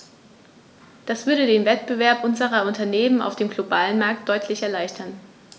Das würde den Wettbewerb unserer Unternehmen auf dem globalen Markt deutlich erleichtern.